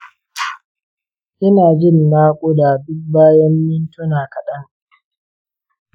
inajin nakuda duk bayan mintuna kaɗan